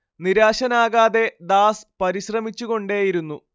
നിരാശനാകാതെ Das പരിശ്രമിച്ചുകൊണ്ടേയിരുന്നു